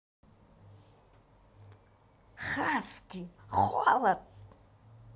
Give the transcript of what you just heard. хаски холод